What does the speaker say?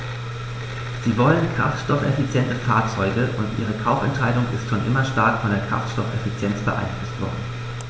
Sie wollen kraftstoffeffiziente Fahrzeuge, und ihre Kaufentscheidung ist schon immer stark von der Kraftstoffeffizienz beeinflusst worden.